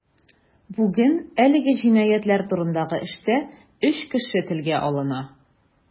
Бүген әлеге җинаятьләр турындагы эштә өч кеше телгә алына.